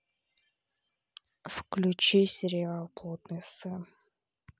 включи сериал блудный сын